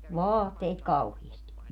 vaatteita kauheasti